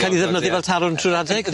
Ca'l 'i ddefnyddio fel talwrn trw'r adeg...